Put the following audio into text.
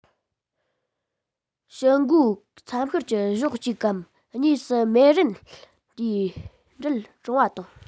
དཔྱི མགོའི མཚམས ཤུར གྱི གཞོགས གཅིག གམ གཉིས སུ རྨེན རུལ འདུས འདྲིལ སྐྲངས བ དང